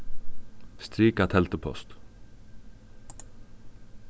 strika teldupost